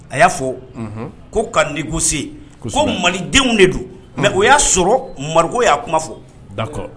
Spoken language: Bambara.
A y'a fɔ ko ka nigosi ko malidenw de don mɛ o y'a sɔrɔ mariku y'a kuma fo da kɔrɔ